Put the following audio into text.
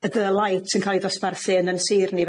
y yn ca'l 'i ddosbarthu yn 'yn sir ni